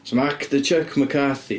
So mae actor Chuck McCarthy...